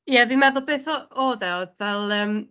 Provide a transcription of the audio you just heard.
Ie, fi'n meddwl beth o- oedd e, oedd fel yym,